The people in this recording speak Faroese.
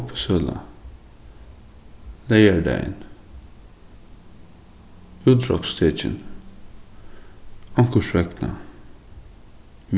uppboðssøla leygardagin útrópstekin onkursvegna